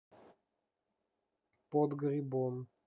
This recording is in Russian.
под грибом